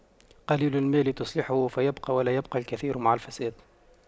قليل المال تصلحه فيبقى ولا يبقى الكثير مع الفساد